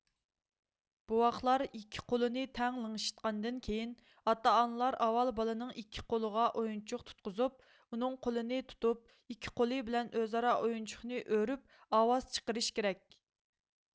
بوۋاقلار ئىككى قۇلىنى تەڭ لىڭشىتقاندىن كېيىن ئاتا ئانىلار ئاۋۋال بالىنىڭ ئىككى قولىغا ئويۇنچۇق تۇتقۇزۇپ ئۇنىڭ قولىنى تۇتۇپ ئىككى قولى بىلەن ئۆزئارا ئويۇنچۇقنى ئۆرۈپ ئاۋاز چىقىرىش كېرەك